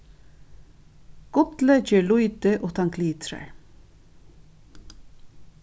gullið ger lítið uttan glitrar